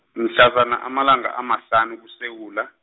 mhlazana amalanga amahlanu kuSewula.